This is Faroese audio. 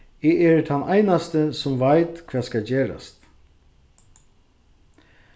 eg eri tann einasti sum veit hvat skal gerast